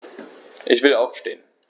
Ich will aufstehen.